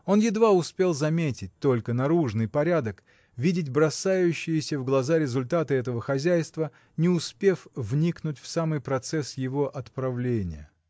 Он едва успел заметить только наружный порядок, видеть бросающиеся в глаза результаты этого хозяйства, не успев вникнуть в самый процесс его отправления.